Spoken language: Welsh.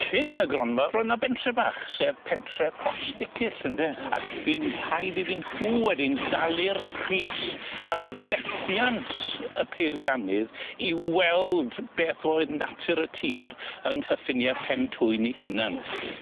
Cyn y gronfa, roedd 'na bentre bach, sef pentre Pont Sticyll ynde ac bu'n rhaid iddyn nhw wedyn dalu'r pris am fethiant y peiriannydd i weld beth oedd natur y tir yng nghyffynie Pentwyn 'i hunan.